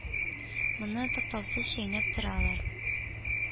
Моны туктаусыз чәйнәп торалар.